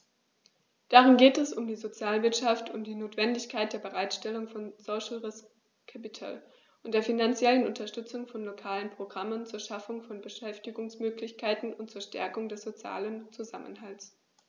Darin geht es um die Sozialwirtschaft und die Notwendigkeit der Bereitstellung von "social risk capital" und der finanziellen Unterstützung von lokalen Programmen zur Schaffung von Beschäftigungsmöglichkeiten und zur Stärkung des sozialen Zusammenhalts.